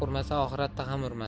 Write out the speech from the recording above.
urmasa oxiratda ham urmas